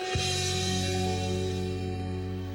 Sanunɛgɛnin yo